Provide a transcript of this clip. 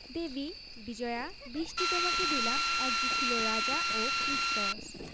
দেবী বিজয়া বৃষ্টি তোমাকে দিলাম এক যে ছিল রাজা ও ক্রিস ক্রস